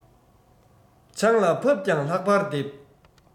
ཆང ལ ཕབ ཀྱང ལྷག པར འདེབས